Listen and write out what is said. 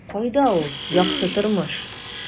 Кайда ул - якты тормыш? ..